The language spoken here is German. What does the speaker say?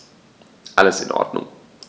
Alles in Ordnung.